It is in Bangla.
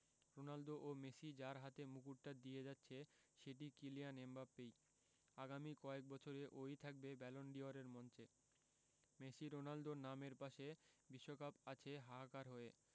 রোনালদো ও মেসি যার হাতে মুকুটটা দিয়ে যাচ্ছে সেটি কিলিয়ান এমবাপ্পেই আগামী কয়েক বছরে ও ই থাকবে ব্যালন ডি অরের মঞ্চে মেসি রোনালদোর নামের পাশে বিশ্বকাপ আছে হাহাকার হয়ে